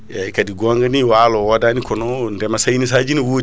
eyyi kaadi gonga ni walo wodani kono ndeema saynisaji ne woodi